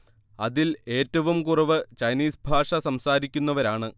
അതിൽ ഏറ്റവും കുറവ് ചൈനീസ് ഭാഷ സംസാരിക്കുന്നവരാണ്